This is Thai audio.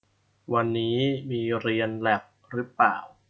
วันนี้มีเรียนแล็บรึป่าว